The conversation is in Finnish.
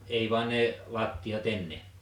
ei vaan ne lattiat ennen